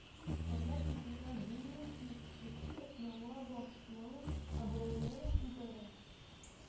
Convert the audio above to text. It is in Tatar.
Таләп ителә, бу, һичшиксез, яңа властьның абруен күтәрә